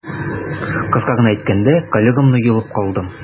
Кыска гына әйткәндә, коллегамны йолып калдым.